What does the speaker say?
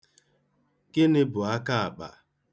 Gịnị bụ akaakpa?